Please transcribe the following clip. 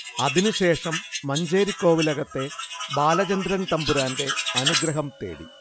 അതിനുശേഷം മഞ്ചേരി കോവിലകത്തെ ബാലചന്ദ്രൻ തമ്പുരാന്റെ അനുഗ്രഹം തേടി